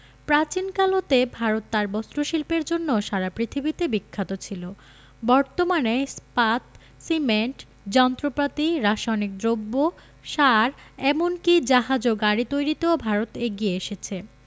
প্রাচীনকাল হতে ভারত তার বস্ত্রশিল্পের জন্য সারা পৃথিবীতে বিখ্যাত ছিল বর্তমানে ইস্পাত সিমেন্ট যন্ত্রপাতি রাসায়নিক দ্রব্য সার এমন কি জাহাজ ও গাড়ি তৈরিতেও ভারত এগিয়ে এসেছে